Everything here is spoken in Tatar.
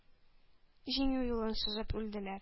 Җиңү юлын сызып үлделәр.